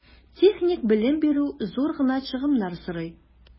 Техник белем бирү зур гына чыгымнар сорый.